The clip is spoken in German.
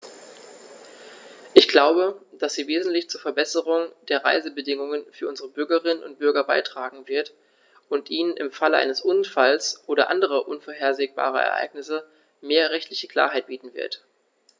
Ich glaube, dass sie wesentlich zur Verbesserung der Reisebedingungen für unsere Bürgerinnen und Bürger beitragen wird, und ihnen im Falle eines Unfalls oder anderer unvorhergesehener Ereignisse mehr rechtliche Klarheit bieten wird.